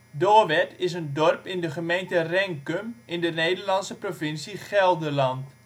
Doorwerth is een dorp in de gemeente Renkum, in de Nederlandse provincie Gelderland